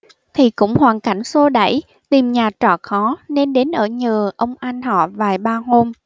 thì cũng hoàn cảnh xô đẩy tìm nhà trọ khó nên đến ở nhờ ông anh họ vài ba hôm